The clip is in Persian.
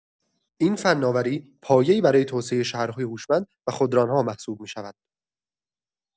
این فناوری، پایه‌ای برای توسعه شهرهای هوشمند و خودران‌ها محسوب می‌شود.